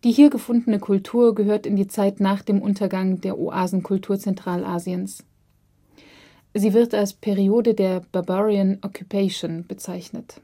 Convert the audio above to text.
hier gefundene Kultur gehört in die Zeit nach dem Untergang der Oasenkultur Zentralasiens. Sie wird als Periode der Barbarian Occupation bezeichnet